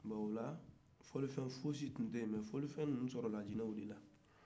bon ola fɔlifɛn fosi tun tɛ ye mais fɔlifɛn nunun sɔrɔla jinɛw de la